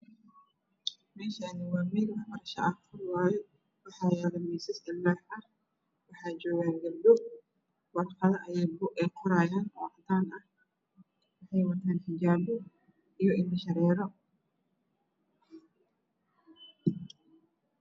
Meshaani waa meel wax barasho ah waxa yaalo misas alwax ah wax jogan gabdho war qado ayeey qorayaan oo cadan ah waxeey wataab xijabo io indho shareero